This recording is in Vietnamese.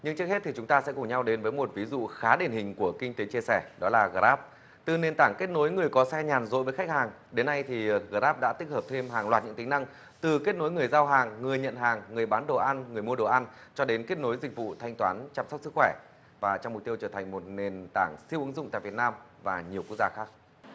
nhưng trước hết thì chúng ta sẽ cùng nhau đến với một ví dụ khá điển hình của kinh tế chia sẻ đó là gờ ráp tư nền tảng kết nối người có xe nhàn rỗi với khách hàng đến nay thì grab đã tích hợp thêm hàng loạt những tính năng từ kết nối người giao hàng người nhận hàng người bán đồ ăn người mua đồ ăn cho đến kết nối dịch vụ thanh toán chăm sóc sức khỏe và trong mục tiêu trở thành một nền tảng siêu ứng dụng tại việt nam và nhiều quốc gia khác